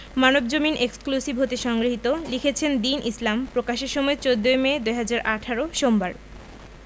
Manabzamin exclusive হতে সংগৃহীত লিখেছেনঃ দীন ইসলাম প্রকাশের সময় ১৪ মে ২০১৮ সোমবার